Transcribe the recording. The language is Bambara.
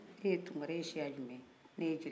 ne ye jeli ye e ye tunkara ye e ye siya jumɛn ye